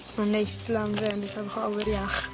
Ma'n neis lan fyn 'yn yn ca'l bach o awyr iach.